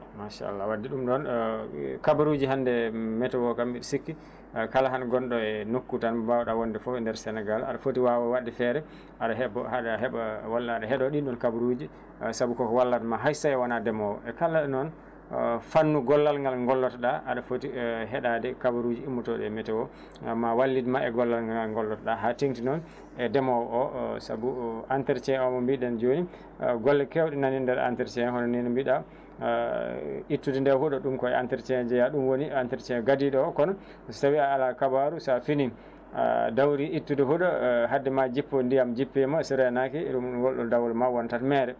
machallah wadde ɗum ɗon kabaruji hannde météo kam mbiɗa sikki kala tan gonɗo e nokku tan mbawɗa wonde foof e nder Sénégal aɗa footi waw wadde feere aɗa heeɓa walla aɗa heeɗo ɗin ɗon kabaruji saabu koko wallanma hayso tawi a wona ndemowo e kala noon e fannu gollal gollotoɗa aɗa footi e heeɗade kabaruji immotoɗi e météo ma wallitmo e gollal ngal gollotoɗa ha tengti noone ndemowo o saabu entretien o mo mbiɗen jooni golle kewɗe nani e nder entretien hono ni no mbiɗa ittude nde huuɗo ɗum koye entretien jeeya ɗum woni entretien gaadiɗo o kono so tawi a ala kabaru sa fini a dawri ittude huuɗo haade ma jippo ndiyam jippima so renaki ɗum ngol ɗon dawol ma woon tan meere